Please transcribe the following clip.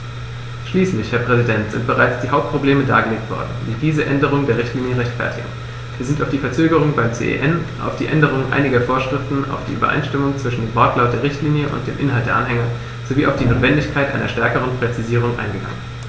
Schließlich, Herr Präsident, sind bereits die Hauptprobleme dargelegt worden, die diese Änderung der Richtlinie rechtfertigen, wir sind auf die Verzögerung beim CEN, auf die Änderung einiger Vorschriften, auf die Übereinstimmung zwischen dem Wortlaut der Richtlinie und dem Inhalt der Anhänge sowie auf die Notwendigkeit einer stärkeren Präzisierung eingegangen.